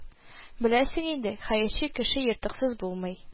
Беләсең инде, хәерче кеше ертыксыз булмый